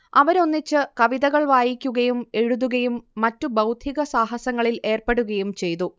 അവരൊന്നിച്ച് കവിതകൾ വായിക്കുകയും എഴുതുകയും മറ്റു ബൗദ്ധിക സാഹസങ്ങളിൽ ഏർപ്പെടുകയും ചെയ്തു